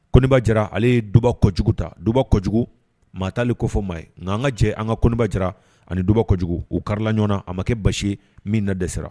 Kobaja jara ale ye dubako kojugu ta duba kojugu maa taalen ko fɔmaa ye nka an ka jɛ an ka koba jara ani dugbako kojugu u kari ɲɔgɔnna a ma kɛ basi ye min na dɛsɛsara